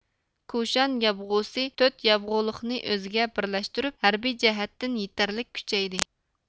كۇشان يابغۇسى تۆت يابغۇلۇقنى ئۆزىگە بىرلەشتۈرۈپ ھەربىي جەھەتتىن يېتەرلىك كۈچەيدى